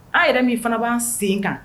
An yɛrɛ min fana b'an sen kan